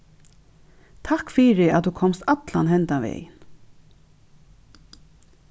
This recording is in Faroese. takk fyri at tú komst allan henda vegin